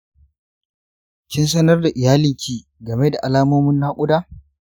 kin sanar da iyalanki game da alamomin naƙuda?